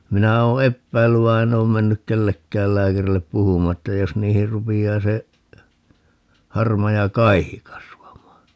minä olen epäillyt vaan en ole mennyt kenellekään lääkärille puhumaan että jos niihin rupeaa se harmaa kaihi kasvamaan